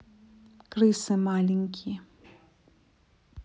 крысы маленькие